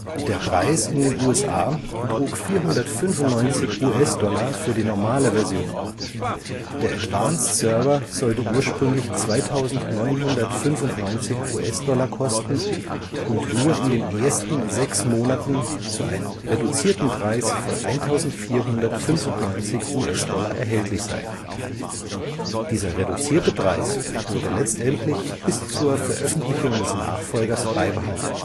Der Preis in den USA betrug 495 USD für die normale Version; der Advanced Server sollte ursprünglich 2995 USD kosten und nur in den ersten sechs Monaten zu einem reduzierten Preis von 1495 USD erhältlich sein, dieser reduzierte Preis wurde letztendlich bis zur Veröffentlichung des Nachfolgers beibehalten